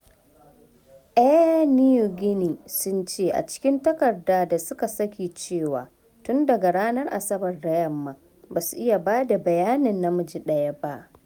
Air Niugini sun ce a cikin takarda da su ka saki cewa tun daga ranar Asabar da yamma, ba su iya bada bayanin namiji daya ba.